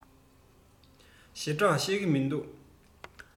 ཞེ དྲགས ཤེས ཀྱི མི འདུག